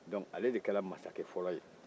dɔnc ale de kɛra masakɛ fɔlɔ ye